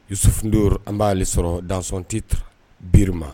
Dususufdo an b'aale sɔrɔ danti biri ma